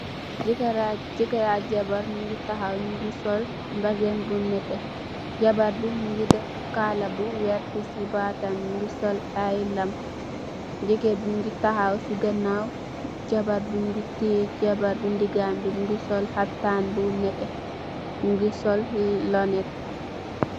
Jekarr raa jekarr ra jabarr njungy takhaw, njungy sol mbazin bu nehteh, jabarr bii mungy deff kaalah bu vertue chi baatam, mungy sol aiiy lam, jekarr bii mungy takhaw cii ganaw, jabarr bii mungy tiyeh jabarr bii ndigam bii, mungy sol khaftan bu nehteh, mungy sol lornnet.